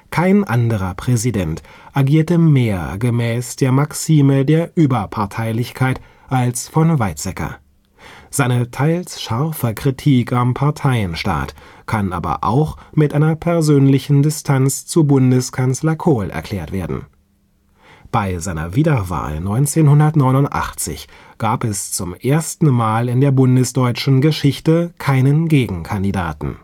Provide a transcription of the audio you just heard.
Kein anderer Präsident agierte mehr gemäß der Maxime der Überparteilichkeit als von Weizsäcker. Seine teils scharfe Kritik am Parteienstaat kann aber auch mit einer persönlichen Distanz zu Bundeskanzler Kohl erklärt werden. Bei seiner Wiederwahl 1989 gab es zum ersten Mal in der bundesdeutschen Geschichte keinen Gegenkandidaten